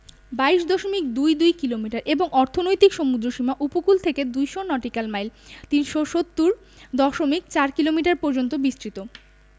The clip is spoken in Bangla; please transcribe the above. ২২ দশমিক দুই দুই কিলোমিটার এবং অর্থনৈতিক সমুদ্রসীমা উপকূল থেকে ২০০ নটিক্যাল মাইল ৩৭০ দশমিক ৪ কিলোমিটার পর্যন্ত বিস্তৃত